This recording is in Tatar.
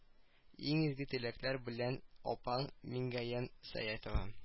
Иң изге теләкләр белән апаң миңнегаян сәетова